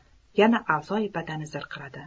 yana a'zoyi badani zirqiradi